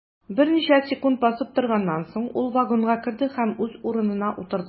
Берничә секунд басып торганнан соң, ул вагонга керде һәм үз урынына утырды.